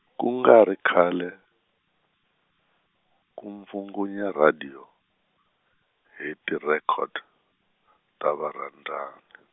ku nga ri khale, ku bvungunya radiyo, hi tirhekodo, ta varhandzani.